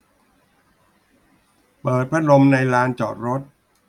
เปิดพัดลมในลานจอดรถ